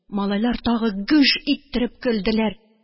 Малайлар тагы гөж иттереп көлделәр.